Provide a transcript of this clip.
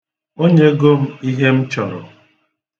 O nyego m ihe m chọrọ.